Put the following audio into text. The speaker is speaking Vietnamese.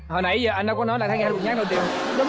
hồi nãy giờ anh đâu có nói là khán giả được nhắc đâu trời